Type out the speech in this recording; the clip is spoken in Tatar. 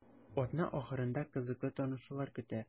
Атна ахырында кызыклы танышулар көтә.